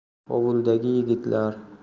ovuldagi yigitlar